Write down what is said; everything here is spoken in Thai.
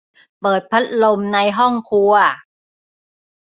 เปิดพัดลมในห้องครัว